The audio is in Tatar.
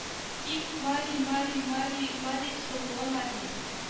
Их мари мари мари мари сылуы мари